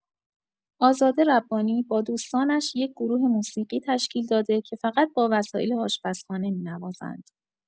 آزاده ربانی، با دوستانش یک گروه موسیقی تشکیل داده که فقط با وسایل آشپزخانه می‌نوازند.